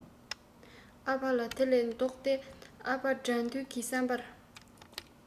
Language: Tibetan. ཨ ཕ ལ དེ ལས ལྡོག སྟེ ཨ ཕ དགྲ འདུལ གི བསམ པར